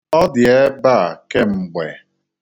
Ọ dị ebe a kemgbe